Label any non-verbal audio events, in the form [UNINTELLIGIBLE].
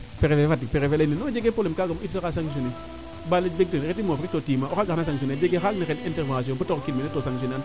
prefet Fatick te leyne non non jege probleme kaaga il sera sanctionner baa [UNINTELLIGIBLE] b reti moof to tiima o xaaga xana sanctinner el jegee o xaa waag na xend intervention bata rokiid mene to sanctionner aan